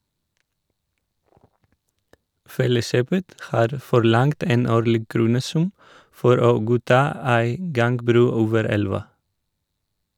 Felleskjøpet har forlangt en årlig kronesum for å godta ei gangbru over elva.